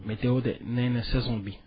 météo de nee na saison bii